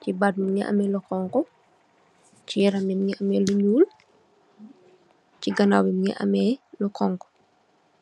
si baat bi mingi amme lu xonxu, si yaram bi mingi amme lu nyuul, si ganaaw gi mingi amme lu xonxu.